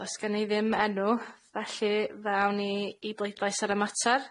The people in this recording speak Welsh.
Does gen i ddim enw, felly ddaw ni i bleidlais ar y matar.